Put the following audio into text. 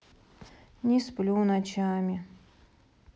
не сплю ночами